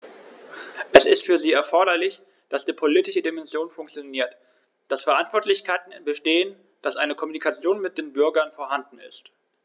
Es ist für sie erforderlich, dass die politische Dimension funktioniert, dass Verantwortlichkeiten bestehen, dass eine Kommunikation mit den Bürgern vorhanden ist.